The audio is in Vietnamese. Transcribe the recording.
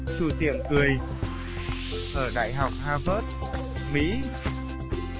chủ tiệm ở đại học havard mỹ